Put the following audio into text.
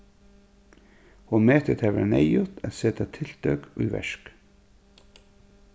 hon metir tað vera neyðugt at seta tiltøk í verk